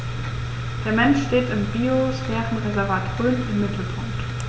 Der Mensch steht im Biosphärenreservat Rhön im Mittelpunkt.